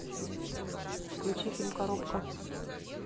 включи фильм коробка